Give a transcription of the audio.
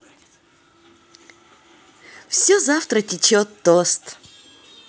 все завтра течет тост